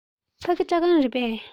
ཕ གི སྐྲ ཁང རེད པས